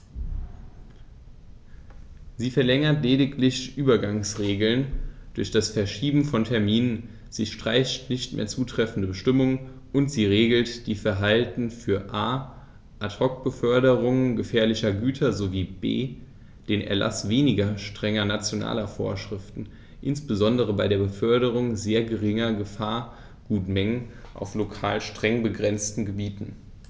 Sie verlängert lediglich Übergangsregeln durch das Verschieben von Terminen, sie streicht nicht mehr zutreffende Bestimmungen, und sie regelt die Verfahren für a) Ad hoc-Beförderungen gefährlicher Güter sowie b) den Erlaß weniger strenger nationaler Vorschriften, insbesondere bei der Beförderung sehr geringer Gefahrgutmengen auf lokal streng begrenzten Gebieten.